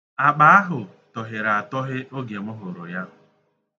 Akpa ahụ tọhere atọhe oge m hụrụ ya.